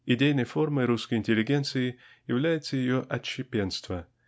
Идейной формой русской интеллигенции является ее отщепенство